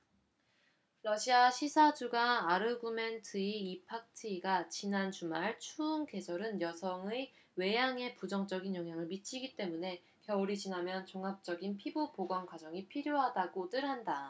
러시아 시사주간 아르구멘트이 이 팍트이가 지난 주말 추운 계절은 여성의 외양에 부정적인 영향을 미치기 때문에 겨울이 지나면 종합적인 피부 복원 과정이 필요하다고들 한다